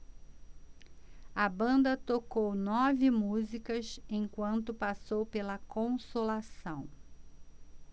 a banda tocou nove músicas enquanto passou pela consolação